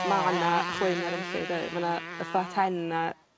Ma' 'na chwyn ar Enlli 'de ma' 'na y Fat Hen a...